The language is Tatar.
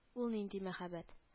Ул нинди мәһабәт